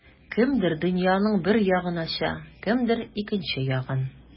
Кемдер дөньяның бер ягын ача, кемдер икенче ягын.